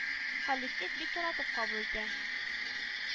Коллектив бик яратып кабул итә